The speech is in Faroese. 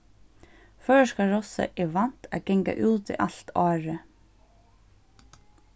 føroyska rossið er vant at ganga úti alt árið